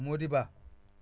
Mody Ba